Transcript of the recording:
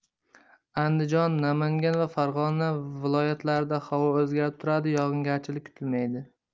andijon namangan va farg'ona viloyatlarida havo o'zgarib turadi yog'ingarchilik kutilmaydi